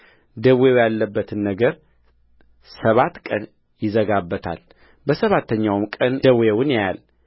ደዌው ያለበትን ነገር ሰባት ቀን ይዘጋበታልበሰባተኛውም ቀን ደዌውን ያያል